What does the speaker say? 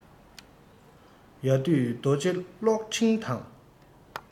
ཡ བདུད རྡོ རྗེ གློག ཕྲེང དང